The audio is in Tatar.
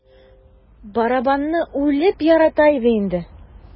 Барабанны үлеп ярата иде инде.